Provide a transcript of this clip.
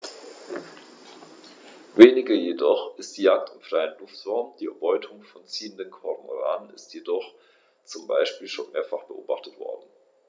Weniger häufig ist die Jagd im freien Luftraum; die Erbeutung von ziehenden Kormoranen ist jedoch zum Beispiel schon mehrfach beobachtet worden.